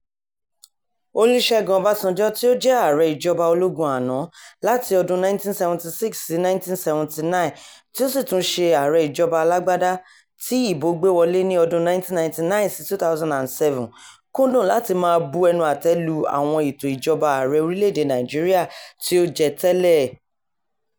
Olúṣẹ́gun Ọbásanjọ́, tí ó jẹ́ Ààrẹ ìjọba ológun àná (láti ọdún 1976 sí 1979), tí ó sì tún ṣe Ààrẹ ìjọba alágbádá tí ìbò gbé wọlé (ní ọdún 1999 sí 2007), kúndùn láti máa bu ẹnu àtẹ́ lu àwọn ètò ìjọba Ààrẹ orílẹ̀-èdè Nàìjíríà tí ó jẹ tẹ̀lé e.